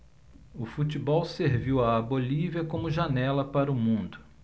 o futebol serviu à bolívia como janela para o mundo